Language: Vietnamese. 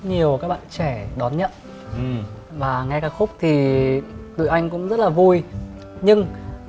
nhiều các bạn trẻ đón nhận và nghe ca khúc thì tụi anh cũng rất là vui nhưng